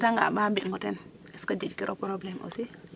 a ndeta nga ba mbi ngo ten est ce que jeg kiro problème aussi